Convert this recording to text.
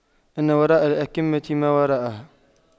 إن وراء الأَكَمةِ ما وراءها